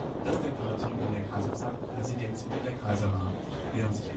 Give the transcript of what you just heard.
in der Kaiserzeit Residenzhügel der Kaiser war, während sich